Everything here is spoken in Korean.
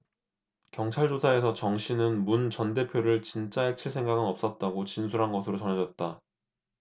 경찰 조사에서 정씨는 문 전 대표를 진짜 해칠 생각은 없었다고 진술한 것으로 전해졌다